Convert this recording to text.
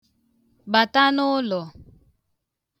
Bata n'ụlọ